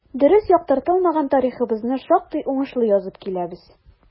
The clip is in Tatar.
Дөрес яктыртылмаган тарихыбызны шактый уңышлы язып киләбез.